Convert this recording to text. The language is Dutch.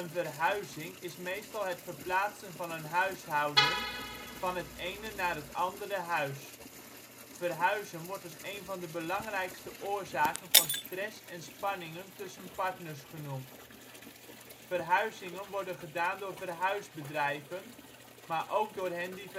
verhuizing is meestal het verplaatsen van een huishouden van het ene naar het andere huis. Verhuizen wordt als één van de belangrijkste oorzaken van stress en spanningen tussen partners genoemd. Verhuizingen worden gedaan door verhuisbedrijven maar ook door hen die